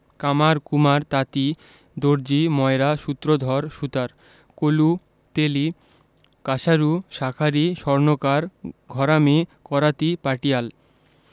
কামার কুমার তাঁতি দর্জি ময়রা সূত্রধর সুতার কলু তেলী কাঁসারু শাঁখারি স্বর্ণকার ঘরামি করাতি পাটিয়াল